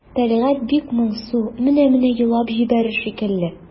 Тәлгать бик моңсу, менә-менә елап җибәрер шикелле.